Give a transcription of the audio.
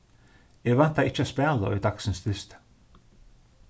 eg væntaði ikki at spæla í dagsins dysti